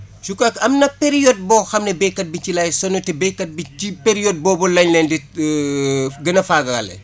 je crois que a na période boo xam ne béykat bi ci lay sonn te béykat bi ci période boobu la~, leen di gën a faagaale